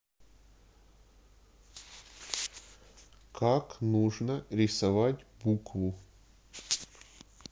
как нужно рисовать букву